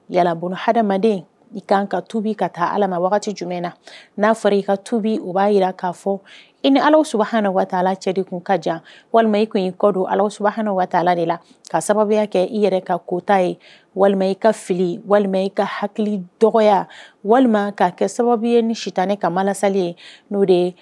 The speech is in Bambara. Yalabolo hadamaden i kan ka tubi ka taa ala ma wagati jumɛn na n'a fɔra i ka tubi u b'a jira k'a fɔ i ni ala hauna waala cɛ de tun ka jan walima i tun kɔ don ala waa de la ka sababuya kɛ i yɛrɛ ka kota ye walima i ka fili walima i ka hakili dɔgɔ walima ka kɛ sababu ye ni si tan ne ka ma lasali ye no de ye